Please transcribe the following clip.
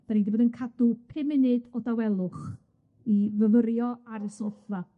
'Dan ni 'di bod yn cadw pum munud o dawelwch i fyfyrio ar y soffa.